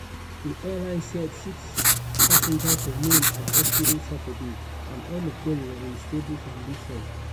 The airline said six passengers remained at the hospital Saturday, and all of them were in stable condition.